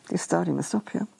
'Di stori 'im yn stopio.